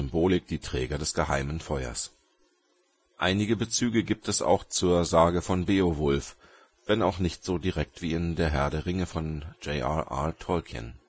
Symbolik die Träger des geheimen Feuers. Einige Bezüge gibt es auch zur Sage von Beowulf, wenn auch nicht so direkt wie in Der Herr der Ringe von J. R. R. Tolkien